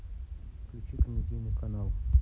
включи комедийный канал